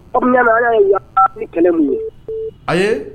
Bamanan ala ye yaa ni kɛlɛ mun ye ayi